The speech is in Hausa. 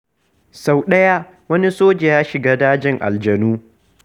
Sau ɗaya, wani soja ya shiga dajin aljanu.